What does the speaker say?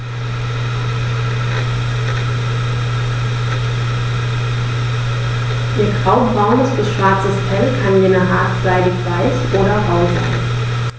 Ihr graubraunes bis schwarzes Fell kann je nach Art seidig-weich oder rau sein.